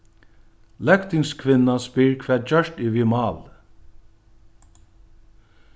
løgtingskvinnan spyr hvat gjørt er við málið